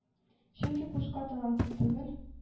Чөнки курска талантлы түгел,